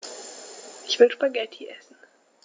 Ich will Spaghetti essen.